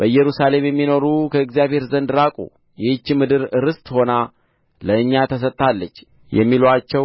በኢየሩሳሌም የሚኖሩ ከእግዚአብሔር ዘንድ ራቁ ይህች ምድር ርስት ሆና ለእኛ ተሰጥታለች የሚሉአቸው